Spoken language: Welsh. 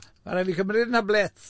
O, ma' raid fi cymryd yn nhablet.